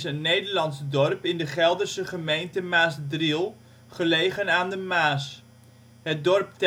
Nederlands dorp in de Gelderse gemeente Maasdriel, gelegen aan de Maas. Het dorp telt